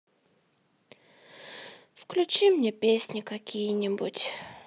включи мне песни какие нибудь